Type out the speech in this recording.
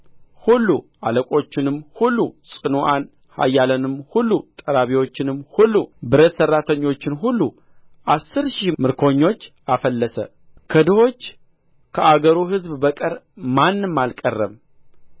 ሁሉ አለቆቹንም ሁሉ ጽኑዓን ኃያላኑንም ሁሉ ጠራቢዎቹንም ሁሉ ብረት ሠራተኞቹን ሁሉ አሥር ሺህ ምርኮኞች አፈለሰ ከድሆች ከአገሩ ሕዝብ በቀር ማንም አልቀረም